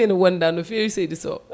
ene wonda no feewi seydi Sow